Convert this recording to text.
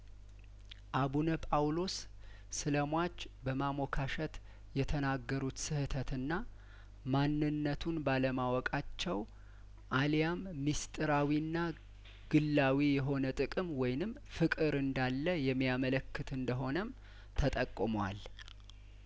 አቡነ ጳውሎስ ስለሟች በማሞካሸት የተናገሩት ስህተትና ማንነቱን ባለማወቃቸው አልያም ምስጢራዊና ግላዊ የሆነ ጥቅም ወይንም ፍቅር እንዳለ የሚያመለክት እንደሆነም ተጠቁሟል